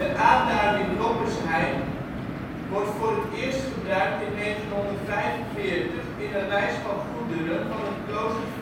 aanduiding ' Loppesheim ' wordt voor het eerst gebruikt in 945 in een lijst van goederen van het klooster